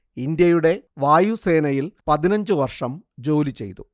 ഇന്ത്യയുടെ വായുസേനയിൽ പതിനഞ്ചു വർഷം ജോലി ചെയ്തു